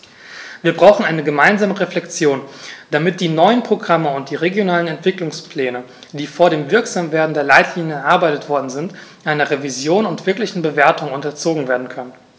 Wir brauchen eine gemeinsame Reflexion, damit die neuen Programme und die regionalen Entwicklungspläne, die vor dem Wirksamwerden der Leitlinien erarbeitet worden sind, einer Revision und wirklichen Bewertung unterzogen werden können.